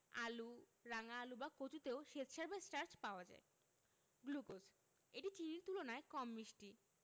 আলু রাঙা আলু বা কচুতেও শ্বেতসার বা স্টার্চ পাওয়া যায় গ্লুকোজ এটি চিনির তুলনায় কম মিষ্টি